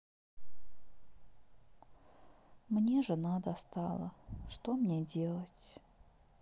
мне жена достала что мне делать